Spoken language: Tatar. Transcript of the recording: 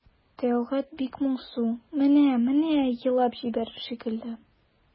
Тәлгать бик моңсу, менә-менә елап җибәрер шикелле.